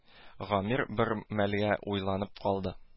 Гамир бер мәлгә уйланып калды